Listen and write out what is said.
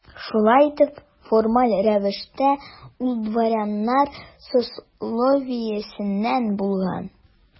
Шулай итеп, формаль рәвештә ул дворяннар сословиесеннән булган.